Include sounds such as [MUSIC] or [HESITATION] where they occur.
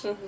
[HESITATION] [HESITATION]